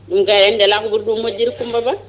ɗum kayi andi ala ko ɓuuri ɗum moƴƴude Coumba Ba